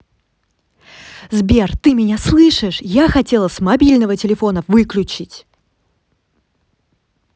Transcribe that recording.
сбер ты меня слышишь я хотела с мобильного телефона выключить